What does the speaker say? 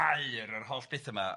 a aur a'r holl beth 'ma.